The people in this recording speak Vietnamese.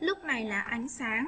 lúc này là ánh sáng